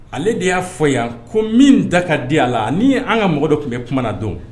Ale de y'a fɔ yan ko min da ka di a la ani an ka mɔgɔ dɔ tun bɛ kuma na don